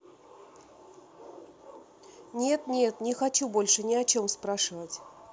нет нет не хочу больше ни о чем спрашивать